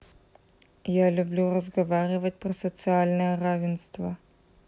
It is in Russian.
я люблю разговаривать про социальное равенство